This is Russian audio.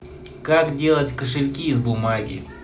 как делать кошельки из бумаги